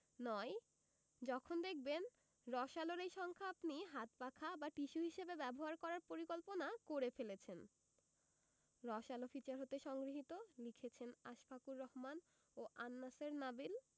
৯. যখন দেখবেন রসআলোর এই সংখ্যা আপনি হাতপাখা বা টিস্যু হিসেবে ব্যবহার করার পরিকল্পনা করে ফেলেছেন রসআলো ফিচার হতে সংগৃহীত লিখেছেনঃ আশফাকুর রহমান ও আন্ নাসের নাবিল